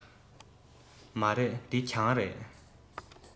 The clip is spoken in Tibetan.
མ རེད འདི གྱང རེད